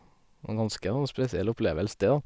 Var en ganske sånn spesiell opplevelse det, da.